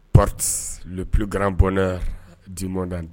Pate pl garan bɔnɛ di mɔn dante